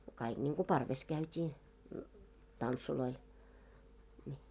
kaikki niin kuin parvessa käytiin tansseilla niin